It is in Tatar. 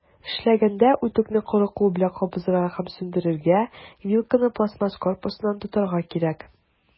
Эшләгәндә, үтүкне коры кул белән кабызырга һәм сүндерергә, вилканы пластмасс корпусыннан тотарга кирәк.